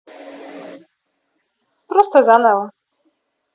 просто заново